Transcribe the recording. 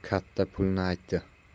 katta pulni aytdi